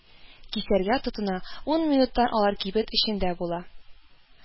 Кисәргә тотына, ун минуттан алар кибет эчендә була